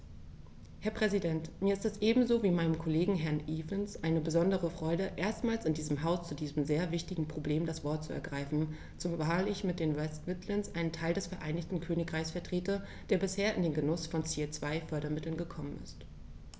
Herr Präsident, mir ist es ebenso wie meinem Kollegen Herrn Evans eine besondere Freude, erstmals in diesem Haus zu diesem sehr wichtigen Problem das Wort zu ergreifen, zumal ich mit den West Midlands einen Teil des Vereinigten Königreichs vertrete, der bisher in den Genuß von Ziel-2-Fördermitteln gekommen ist.